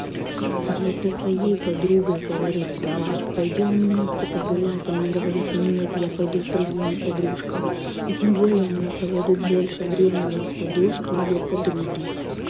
я со своей подругой говорю тварь пойдем вместе погулять она говорит нет я пойду с другими подружками и тем более она проводит больше времени художки ее подруги